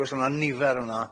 Achos o'na nifer fa'na?